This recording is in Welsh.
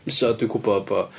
So dwi'n gwbod bo'...